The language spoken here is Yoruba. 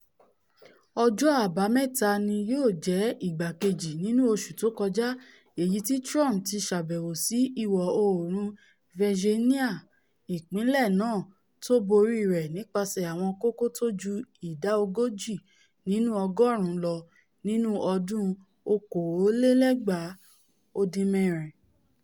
Ọjọ́ Àbámẹ́ta ni yóò jẹ́ ìgbà kejì nínú oṣù tókọjá èyití Trump ti ṣàbẹ̀wò sí Ìwọ-oòrùn Virginia, ìpínlẹ̀ náà tó borì rẹ̀ nípaṣẹ̀ àwọn kókó tóju ìdá ogójì nínú ọgọ́ọ̀rún lọ nínú ọdún 2016.